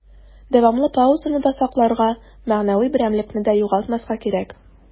Дәвамлы паузаны да сакларга, мәгънәви берәмлекне дә югалтмаска кирәк.